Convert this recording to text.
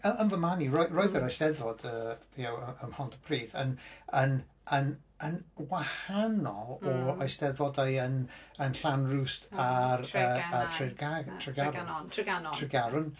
Yn fy marn i, ro- roedd yr Eisteddfod y'know ym Mhontypridd yn yn yn yn wahanol o Eisteddfodau yn yn Llanrwst a Tregaron.